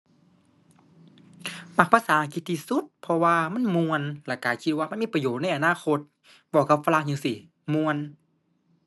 มักภาษาอังกฤษที่สุด เพราะว่ามันม่วน แล้วก็คิดว่ามันมีประโยชน์ในอนาคต เว้ากับฝรั่งจั่งซี้ ม่วน